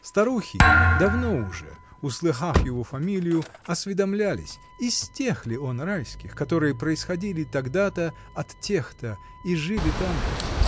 Старухи давно уже, услыхав его фамилию, осведомлялись, из тех ли он Райских, которые происходили тогда-то от тех-то и жили там-то?